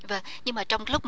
vâng nhưng mà trong lúc